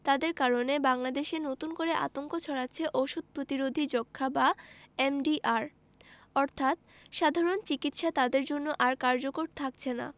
তাদের কারণে বাংলাদেশে নতুন করে আতঙ্ক ছড়াচ্ছে ওষুধ প্রতিরোধী যক্ষ্মা বা এমডিআর অর্থাৎ সাধারণ চিকিৎসা তাদের জন্য আর কার্যকর থাকছেনা